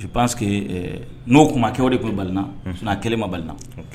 Pan que n'o kumakɛ de bolo baliina kɛlɛ ma baliina